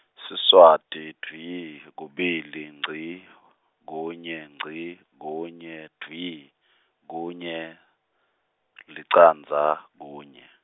Siswati dvwi, kubili ngci, kunye ngci, kunye dvwi, kunye , licandza, kunye.